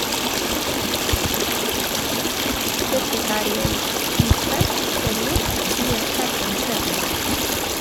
Dette tar jeg ytterst seriøst, sier Kjartan Slettemark.